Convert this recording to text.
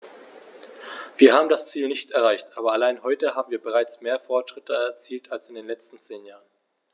Wir haben das Ziel nicht erreicht, aber allein heute haben wir bereits mehr Fortschritte erzielt als in den letzten zehn Jahren.